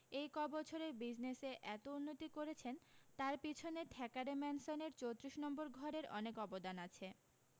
এই কবছরে বিজনেসে এতো উন্নতি করেছেন তার পিছনে থ্যাকারে ম্যানসনের চোত্রিশ নম্বর ঘরের অনেক অবদান আছে